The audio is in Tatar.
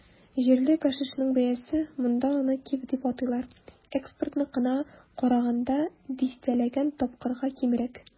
Җирле гашишның бәясе - монда аны "киф" дип атыйлар - экспортныкына караганда дистәләгән тапкырга кимрәк.